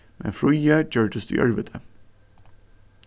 men fríði gjørdist í ørviti